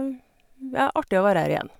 Ja, artig å være her igjen.